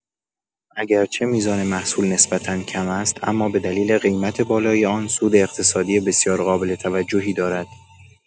اگرچه میزان محصول نسبتا کم است، اما به دلیل قیمت بالای آن، سود اقتصادی بسیار قابل‌توجهی دارد.